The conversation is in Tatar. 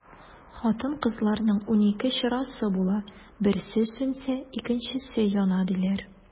Хатын-кызларның унике чырасы була, берсе сүнсә, икенчесе яна, диләр.